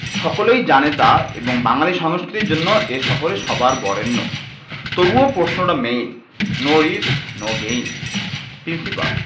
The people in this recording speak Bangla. সকলেই জানে তা এবং বাঙালী সংস্কৃতির জন্য এ শহরে সবার বরেণ্য তবুও প্রশ্নটা main no risk no gain principal